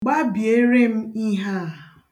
Gbabiere m ihe a.